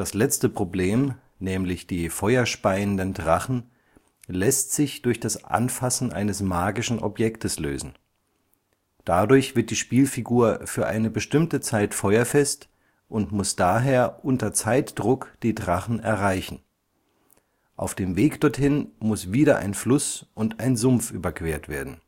letzte Problem (Feuer speiende Drachen) lässt sich durch das Anfassen eines magischen Objektes lösen. Dadurch wird die Spielfigur für eine bestimmte Zeit feuerfest und muss daher unter Zeitdruck die Drachen erreichen. Auf dem Weg dorthin, muss wieder ein Fluss und ein Sumpf überquert werden